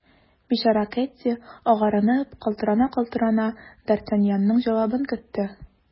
Бичара Кэтти, агарынып, калтырана-калтырана, д’Артаньянның җавабын көтте.